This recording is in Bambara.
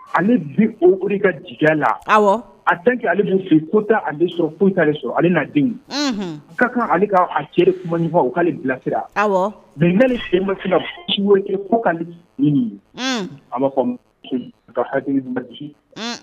Ani bi o ka ji la a ale bi fili kuta ale sɔrɔ kuta de sɔrɔ hali'a den ka kan ale kaa cɛ kuma ɲuman u k'ale bilasira aw bi se ma ka nin ye a'a fɔ ka hakili